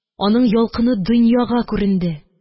Аның ялкыны дөньяга күренде